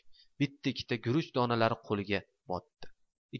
bitta ikkita guruch donalari qo'liga botdi